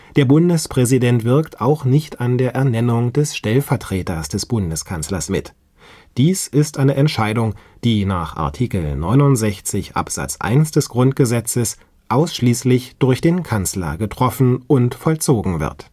Der Bundespräsident wirkt auch nicht an der Ernennung des Stellvertreters des Bundeskanzlers mit. Dies ist eine Entscheidung, die nach Art. 69 Abs. 1 GG ausschließlich durch den Kanzler getroffen und vollzogen wird